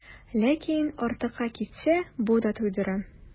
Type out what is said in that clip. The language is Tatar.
Ләкин артыкка китсә, бу да туйдыра.